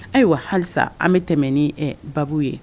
Ayiwa halisa an bɛ tɛmɛ ni ɛ baa ye